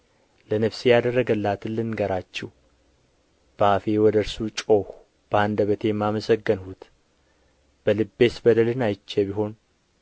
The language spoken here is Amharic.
ለነፍሴ ያደረገላትን ልንገራችሁ በአፌ ወደ እርሱ ጮኽሁ በአንደበቴም አመሰገንሁት በልቤስ በደልን አይቼ ብሆን